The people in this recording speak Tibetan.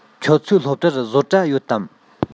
ཁྱོད ཚོའི སློབ གྲྭར བཟོ གྲྭ ཡོད དམ